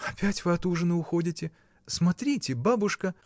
— Опять вы от ужина уходите: смотрите, бабушка.